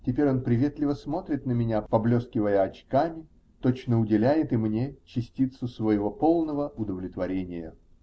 Теперь он приветливо смотрит на меня, поблескивая очками, точно уделяет и мне частицу своего полного удовлетворения.